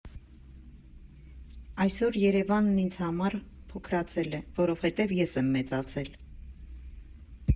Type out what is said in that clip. Այսօր Երևանն ինձ համար փոքրացել է, որովհետև ես եմ մեծացել։